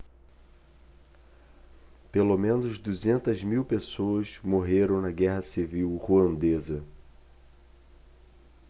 pelo menos duzentas mil pessoas morreram na guerra civil ruandesa